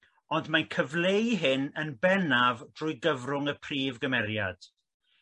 ond mae'n cyfleu hyn yn bennaf trwy gyfrwng y prif gymeriad.